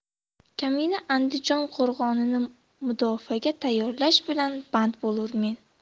kamina andijon qo'rg'onini mudofaaga tayyorlash bilan band bo'lurmen